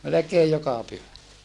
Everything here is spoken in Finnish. melkein joka pyhä